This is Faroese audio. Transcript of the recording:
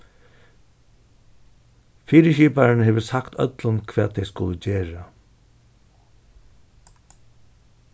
fyriskiparin hevur sagt øllum hvat tey skulu gera